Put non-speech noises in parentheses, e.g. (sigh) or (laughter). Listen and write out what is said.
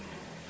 (hesitation) (hesitation)